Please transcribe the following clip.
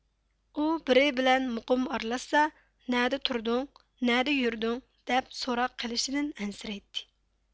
ئۇ بىرى بىلەن مۇقىم ئارىلاشسا نەدە تۇردۇڭ نەدە يۈردۈڭ دەپ سوراق قىلىشىدىن ئەنسىرەيتتى